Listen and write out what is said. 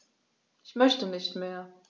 Ich möchte nicht mehr.